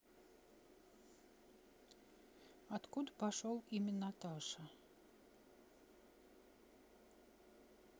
откуда пошел имя наташа